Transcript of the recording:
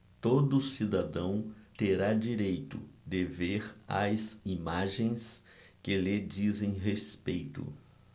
todo cidadão terá direito de ver as imagens que lhe dizem respeito